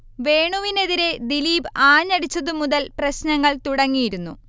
വേണുവിനെതിരെ ദിലീപ് ആഞ്ഞടിച്ചതു മുതൽ പ്രശ്നങ്ങൾ തുടങ്ങിയിരുന്നു